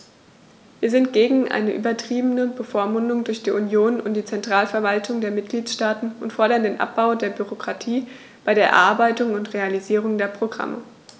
Wir sind gegen eine übertriebene Bevormundung durch die Union und die Zentralverwaltungen der Mitgliedstaaten und fordern den Abbau der Bürokratie bei der Erarbeitung und Realisierung der Programme.